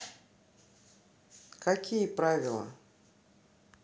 какие правила